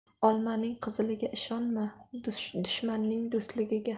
olmaning qiziliga ishonma dushmanning do'stligiga